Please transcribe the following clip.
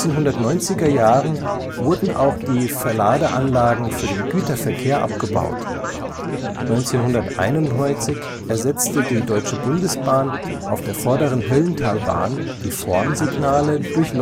1990er Jahren wurden auch die Verladeanlagen für den Güterverkehr abgebaut, 1991 ersetzte die Deutsche Bundesbahn auf der Vorderen Höllentalbahn die Formsignale durch